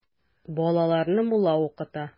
Балаларны мулла укыта.